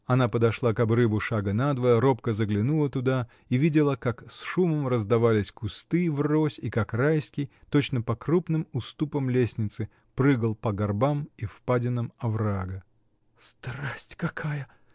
Она подошла к обрыву шага на два, робко заглянула туда и видела, как с шумом раздавались кусты врозь и как Райский, точно по крупным уступам лестницы, прыгал по горбам и впадинам оврага. — Страсть какая!